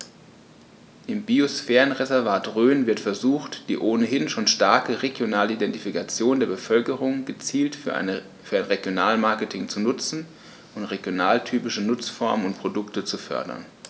Im Biosphärenreservat Rhön wird versucht, die ohnehin schon starke regionale Identifikation der Bevölkerung gezielt für ein Regionalmarketing zu nutzen und regionaltypische Nutzungsformen und Produkte zu fördern.